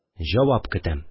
Җавап көтәм